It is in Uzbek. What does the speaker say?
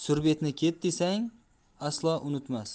surbetni ket desang aslo unutmas